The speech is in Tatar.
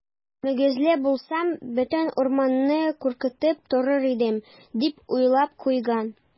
Мөгезле булсам, бөтен урманны куркытып торыр идем, - дип уйлап куйган.